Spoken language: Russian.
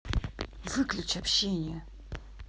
выключи общение